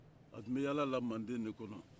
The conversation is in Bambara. a tun bɛ yalala mande de kɔnɔ